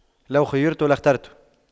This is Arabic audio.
لو خُيِّرْتُ لاخترت